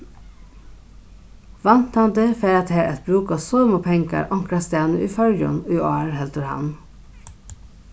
væntandi fara tær at brúka somu pengar onkrastaðni í føroyum í ár heldur hann